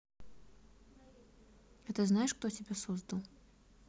а ты знаешь кто тебя создал